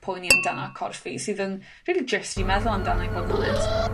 Poeni amdana corff fi sydd yn, fi 'di jyst i meddwl amdano, i bod yn onest.